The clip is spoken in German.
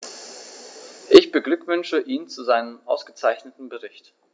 Ich beglückwünsche ihn zu seinem ausgezeichneten Bericht.